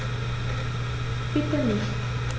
Bitte nicht.